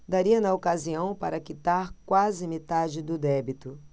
daria na ocasião para quitar quase metade do débito